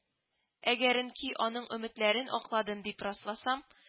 Әгәренки аның өметләрен акладым дип расласам